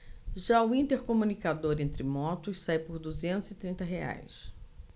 já o intercomunicador entre motos sai por duzentos e trinta reais